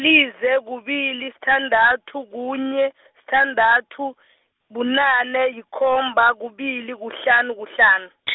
lize, kubili, sithandathu, kunye, sithandathu, bunane, yikomba, kubili, kuhlanu, kuhlanu .